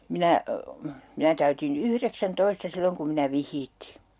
minä minä täytin yhdeksäntoista silloin kun minä vihittiin